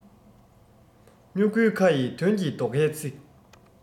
སྨྱུ གུའི ཁ ཡི དོན གྱི རྡོ ཁའི ཚིག